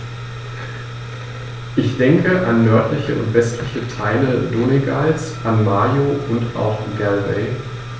Ich denke an nördliche und westliche Teile Donegals, an Mayo, und auch Galway.